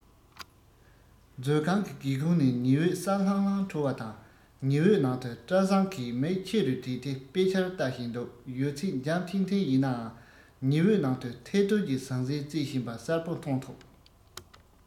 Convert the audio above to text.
མཛོད ཁང གི སྒེའུ ཁུང ནས ཉི འོད གསལ ལྷང ལྷང འཕྲོ བ དང ཉི འོད ནང དུ བཀྲ བཟང གིས མིག ཆེ རུ བགྲད དེ དཔེ ཆར ལྟ བཞིན འདུག ཡོད ཚད འཇམ ཐིང ཐིང ཡིན ནའང ཉི འོད ནང དུ ཐལ རྡུལ གྱི ཟང ཟིང རྩེན བཞིན པ གསལ པོ མཐོང ཐུབ